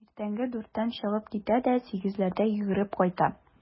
Иртәнге дүрттән чыгып китә дә сигезләрдә йөгереп кайта.